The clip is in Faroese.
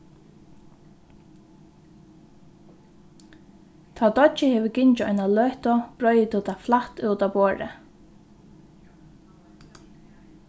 tá deiggið hevur gingið eina løtu breiðir tú tað flatt út á borðið